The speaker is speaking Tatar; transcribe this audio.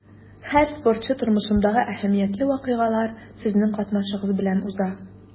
Һәр спортчы тормышындагы әһәмиятле вакыйгалар сезнең катнашыгыз белән уза.